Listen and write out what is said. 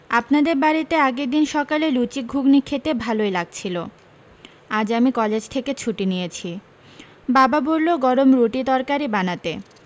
আপনাদের বাড়ীতে আগের দিন সকালে লুচি ঘুগ্নি খেতে ভালোই লাগছিলো আজ আমি কলেজ থেকে ছুটি নিয়েছি বাবা বললো গরম রুটি তরকারী বানাতে